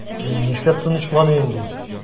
Мин нишләп тынычланыйм ди?